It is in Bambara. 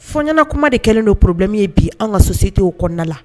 Fɔɲɛna kuma de kɛlen don problème ye bi; an ka société kɔnɔna la